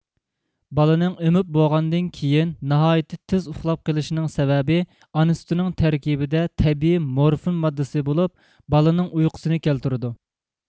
بالىنىڭ ئېمىپ بولغاندىن كېيىن ناھايىتى تېز ئۇخلاپ قېلىشىنىڭ سەۋەبى ئانا سۈتىنىڭ تەركىبىدە تەبىئىي مورفىن ماددىسى بولۇپ بالىنىڭ ئۇيقۇسىنى كەلتۈرىدۇ